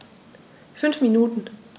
5 Minuten